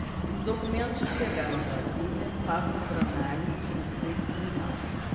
os documentos que chegaram a brasília passam por análise financeira e criminal